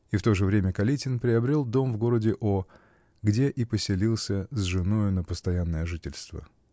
и в то же время Калитин приобрел дом в городе О. , где и поселился с женою на постоянное жительство.